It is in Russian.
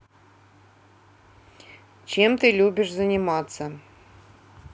чем ты любишь заниматься